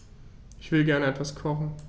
Ich will gerne etwas kochen.